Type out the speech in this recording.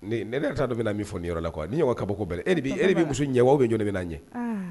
Ne dɔn min fɔ niyɔrɔ yɔrɔ la ni y' ka bɔ ko e e bɛ muso ɲɛ aw bɛ jɔn bɛ na ɲɛ